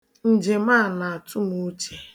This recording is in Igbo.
Njem a na-atụ m uche